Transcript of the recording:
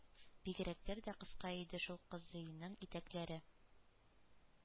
Бигрәкләр дә кыска иде шул кызыйның итәкләре!